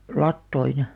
latoihin